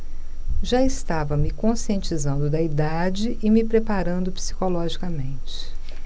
já estava me conscientizando da idade e me preparando psicologicamente